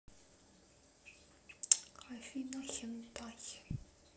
афина хентай